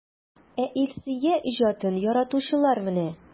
Ә Илсөя иҗатын яратучылар менә!